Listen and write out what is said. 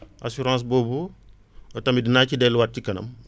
assurance boobu te tamit naa ci delluwaat ci kanam